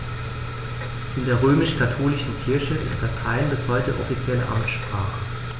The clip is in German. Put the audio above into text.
In der römisch-katholischen Kirche ist Latein bis heute offizielle Amtssprache.